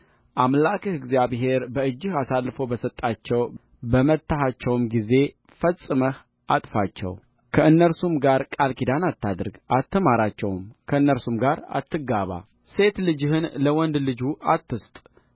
አምላክህ እግዚአብሔርም በእጅህ አሳልፎ በሰጣቸው በመታሃቸውም ጊዜ ፈጽመህ አጥፋቸው ከእነርሱም ጋር ቃል ኪዳን አታድርግ አትማራቸውምከእነርሱም ጋር አትጋባ ሴት ልጅህን ለወንድ ልጁ አትስጥ